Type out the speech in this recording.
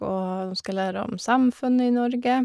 Og dem skal lære om samfunnet i Norge.